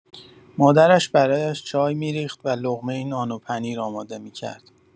مادرش برایش چای می‌ریخت و لقمه‌ای نان و پنیر آماده می‌کرد.